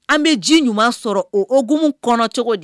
An bɛ ji ɲuman sɔrɔ o ogumu kɔnɔ cogo di